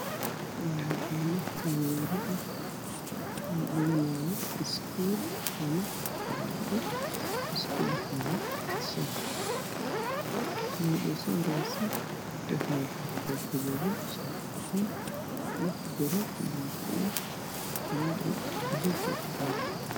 Waa ilmo dhiganayo iskuul ama bareefad, gabadha u soohoreyso waxay wadataa xijaab gaduudan ,shaati cadaan ah iyo dirac baati ah oo buluug iyo oranji ah.